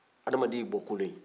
hadamaden y'i bɔkolo ye